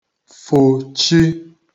fùchi